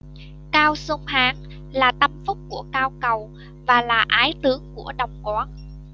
cao xung hán là tâm phúc của cao cầu và là ái tướng của đồng quán